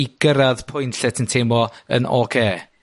i gyrradd pwynt lle ti'n teimlo yn ocê?